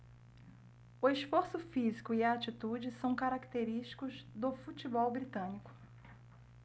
o esforço físico e a atitude são característicos do futebol britânico